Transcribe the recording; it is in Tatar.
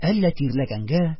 Әллә тирләгәнгә,